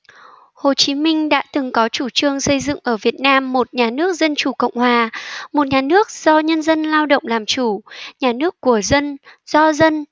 hồ chí minh đã từng có chủ trương xây dựng ở việt nam một nhà nước dân chủ cộng hòa một nhà nước do nhân dân lao động làm chủ nhà nước của dân do dân